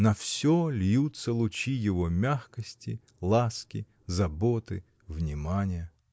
На всё льются лучи его мягкости, ласки, заботы, внимания.